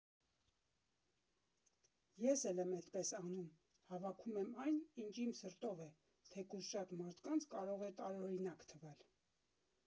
Ես էլ եմ էդպես անում, հավաքում եմ այն, ինչ իմ սրտով է, թեկուզ շատ մարդկանց կարող է տարօրինակ թվալ։